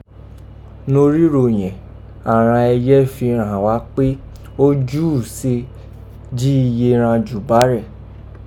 Norígho yẹ̀n, àghan ẹyẹ fi ghàn wá pé ó júù se jí iye ghan jù bárẹ̀.